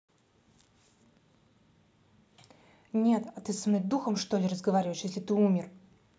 нет а ты со мной духом что ли разговариваешь если ты умер